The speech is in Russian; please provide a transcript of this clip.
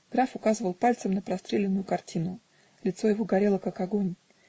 (Граф указывал пальцем на простреленную картину лицо его горело как огонь